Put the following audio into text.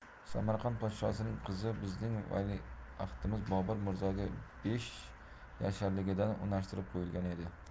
samarqand podshosining qizi bizning valiahdimiz bobur mirzoga besh yasharligidan unashtirib qo'yilgan edi